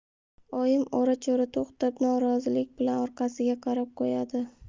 oyim ora chora to'xtab norozilik bilan orqasiga qarab qo'yadi